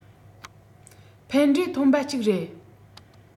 ཕན འབྲས ཐོན པ ཅིག རེད